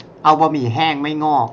เอาบะหมี่แห้งไม่งอก